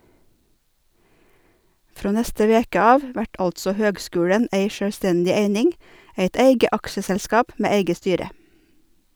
Frå neste veke av vert altså høgskulen ei sjølvstendig eining, eit eige aksjeselskap med eige styre.